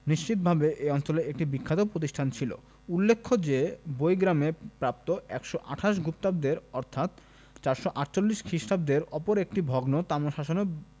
নিশ্চিতভাবে এ অঞ্চলের একটি বিখ্যাত প্রতিষ্ঠান ছিল উল্লেখ্য যে বৈগ্রামে প্রাপ্ত ১২৮ গুপ্তাব্দের অর্থাৎ ৪৪৮ খ্রিস্টাব্দের অপর একটি ভগ্ন তাম্রশাসনে